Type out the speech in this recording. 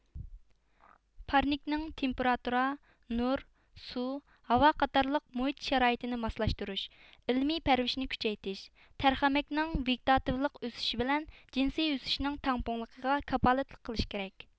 پارنىكنىڭ تېمپېراتۇرا نۇر سۇ ھاۋا قاتارلىق مۇھىت شارائىتىنى ماسلاشتۇرۇش ئىلمىي پەرۋىشنى كۈچەيتىش تەرخەمەكنىڭ ۋېگىتاتىۋلىق ئۆسۈشى بىلەن جىنسىي ئۆسۈشىنىڭ تەڭپۇڭلۇقىغا كاپالەتلىك قىلىش كېرەك